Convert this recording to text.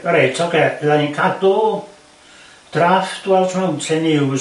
reit ocê oddan ni'n cadw draft Welsh Mountain ewes